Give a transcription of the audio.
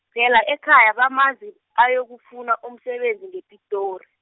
phela ekhaya bamazi, ayokufuna umsebenzi ngePitori.